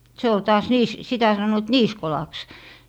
se oli taas - sitä sanoivat niisikolaksi